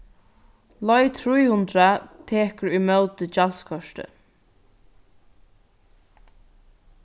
leið trý hundrað tekur ímóti gjaldskorti